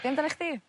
Be' amdanach chdi?